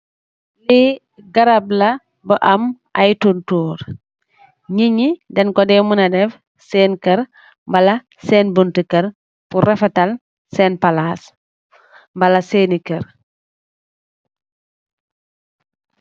Li garab la bu am ay tontorr nityi deng ko deh muna def sen keur wala sen bunti keur pul refatal sen palac mbala seni keur.